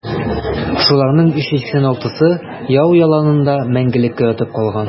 Шуларның 386-сы яу яланында мәңгелеккә ятып калган.